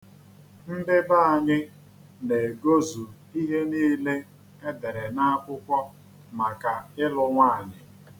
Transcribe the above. Ndị be anyị na-egozu ihe niile e dere n'akwụkwọ maka ịlụ nwaanyị.